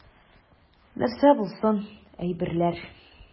Нәрсә булсын, әйберләр.